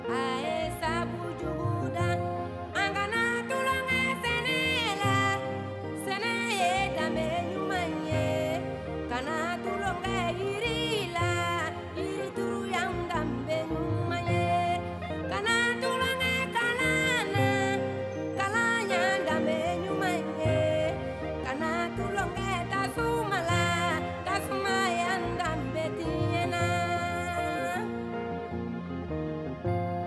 A ye sago jugu la a kana tulokɛ sɛnɛ la sɛ ye lamɛn ɲuman in ye kana tulo bɛ jiri la kitu yanga ɲuman ye kalan tulo kɛ kalan la kalan ya danbe ɲuman in ye ka tulokɛ ka la kakuma yan danbe jigin la